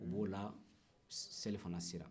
o b'o la selifana sera